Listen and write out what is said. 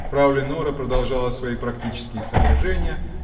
Фрау Леноре продолжала свои практические соображения.